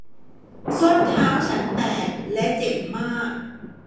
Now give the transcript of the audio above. ส้นเท้าฉันแตกและเจ็บมาก